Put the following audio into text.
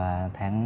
tháng